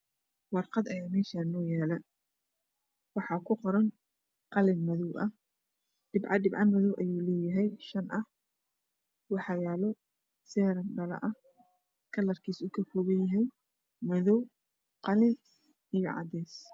Warqad ayaa meeshaan noo yaalo waxaa ku qoran qalin madow ah dhibco dhibco madow ayuu leeyahay shan waxaa yaalo sahanad dhalo ah kalarkiisa uu ka koobanyahay mdow qalin iyo cadays